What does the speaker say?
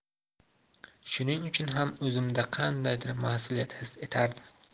shuning uchun ham o'zimda qandaydir mas'uliyat his etardim